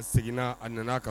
Seginna a nana kan